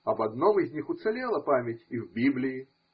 Об одном из них уцелела память и в Библии.